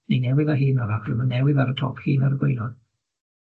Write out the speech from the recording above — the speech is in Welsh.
Neu newydd a hen 'w'rach newydd ar y top, hen ar y gwaelod.